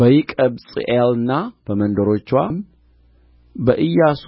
በይቀብጽኤልና በመንደሮችዋም በኢያሱ